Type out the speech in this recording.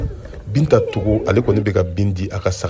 binta togo ale kɔni bɛ ka bin di a ka sagajigi ma